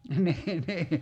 niin niin